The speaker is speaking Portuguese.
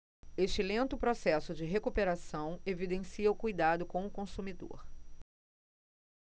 este lento processo de recuperação evidencia o cuidado com o consumidor